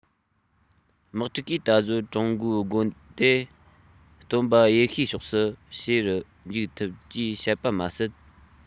དམག འཁྲུག གིས ད གཟོད ཀྲུང གོའི སྒོ དེ སྟོན པ ཡེ ཤུའི ཕྱོགས སུ ཕྱེ རུ འཇུག ཐུབ ཅེས བཤད པ མ ཟད